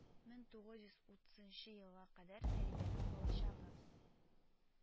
Мең тугыз йөз утызынчы елга кадәр фәридәнең балачагы